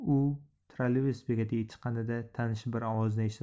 u trolleybus bekatiga chiqqanida tanish bir ovozni eshitib